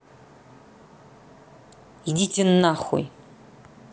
идите нахуй